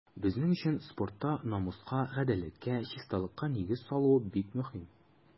Безнең өчен спортта намуска, гаделлеккә, чисталыкка нигез салу бик мөһим.